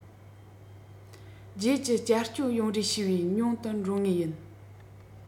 རྗེས ཀྱི བསྐྱར གཅོད ཡོང རེ ཞུས པའི ཉུང དུ འགྲོ ངེས ཡིན